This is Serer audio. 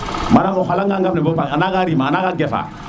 manan o xala ga ngaaf ne bo pare a nanga rima a nanga gefa